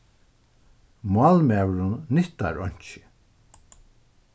málmaðurin nyttar einki